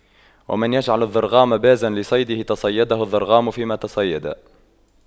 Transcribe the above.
ومن يجعل الضرغام بازا لصيده تَصَيَّدَهُ الضرغام فيما تصيدا